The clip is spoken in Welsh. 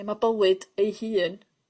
Ia ma' bywyd ei hun